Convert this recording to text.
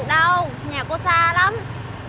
đâu nhà cô xa lắm